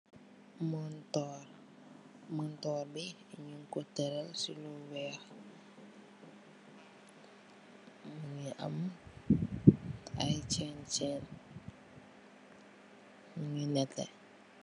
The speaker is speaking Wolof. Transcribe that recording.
Montoor, montoor bi, ñungko teral silu weeh, mungi am aye cheen cheen, mungi neteh.